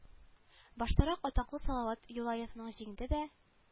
Баштарак атаклы салават юлаевны җиңде дә